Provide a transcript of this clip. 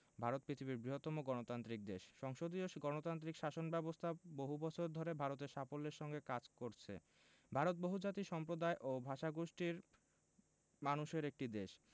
ভারত পৃথিবীর বৃহত্তম গণতান্ত্রিক দেশ সংসদীয় গণতান্ত্রিক শাসন ব্যাবস্থা বহু বছর ধরে ভারতে সাফল্যের সঙ্গে কাজ করছে ভারত বহুজাতি সম্প্রদায় ও ভাষাগোষ্ঠীর মানুষের একটি দেশ